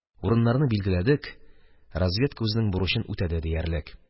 Урыннарны билгеләдек, разведка үзенең бурычын үтәде диярлек